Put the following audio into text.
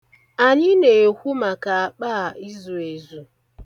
Anyị na-ekwu maka akpa a izu ezu.